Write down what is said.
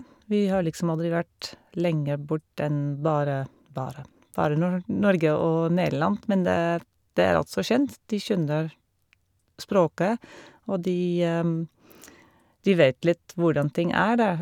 Vi har liksom aldri vært lenger bort enn bare bare bare nor Norge og Nederland, men det er der er alt så kjent, de skjønner språket og de de vet litt hvordan ting er der.